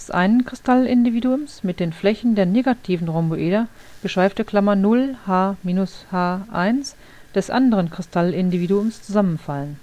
einen Kristallindividuums mit den Flächen der negativen Rhomboeder {0 h - h l} des anderen Kristallindividuums zusammenfallen